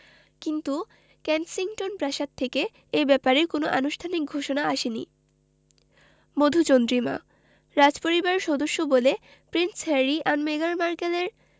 কিন্তু কেনসিংটন প্রাসাদ থেকে এ ব্যাপারে কোনো আনুষ্ঠানিক ঘোষণা আসেনি মধুচন্দ্রিমা রাজপরিবারের সদস্য বলে প্রিন্স হ্যারি আর মেগান মার্কেলের